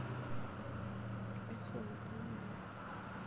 афина поменяй